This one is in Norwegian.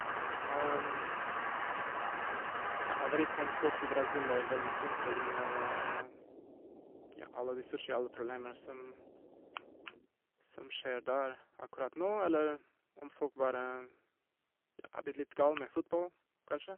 Ja, jeg vet ikke om folk i Brasil er veldig sint på grunn av, ja, alle de sosiale problemer som som skjer der akkurat nå, eller om folk bare, ja, har blitt litt gal med fotball, kanskje.